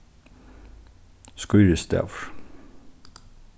skírisdagur